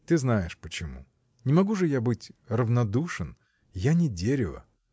— Ты знаешь почему: не могу же я быть равнодушен — я не дерево.